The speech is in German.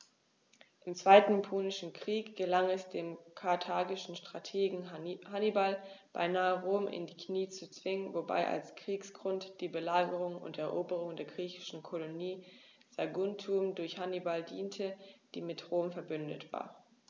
Im Zweiten Punischen Krieg gelang es dem karthagischen Strategen Hannibal beinahe, Rom in die Knie zu zwingen, wobei als Kriegsgrund die Belagerung und Eroberung der griechischen Kolonie Saguntum durch Hannibal diente, die mit Rom „verbündet“ war.